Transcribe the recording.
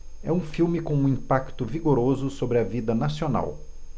é um filme com um impacto vigoroso sobre a vida nacional